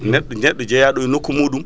neɗɗo neɗɗo jeeyaɗo e nokku mum